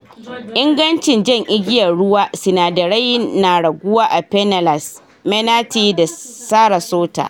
Ingancin Jan Igiyar Ruwa Sinadarai na raguwa a Pinellas, Manatee da Sarasota